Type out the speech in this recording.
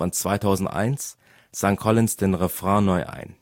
2001) sang Collins den Refrain neu ein